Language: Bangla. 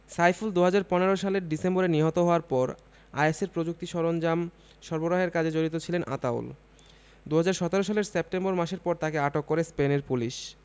সাইফুল ২০১৫ সালের ডিসেম্বরে নিহত হওয়ার পর আইএসের প্রযুক্তি সরঞ্জাম সরবরাহের কাজে জড়িত ছিলেন আতাউল ২০১৭ সালের সেপ্টেম্বর মাসের পর তাকে আটক করে স্পেনের পুলিশ